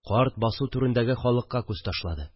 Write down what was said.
Карт басу түрендәге халыкка күз ташлады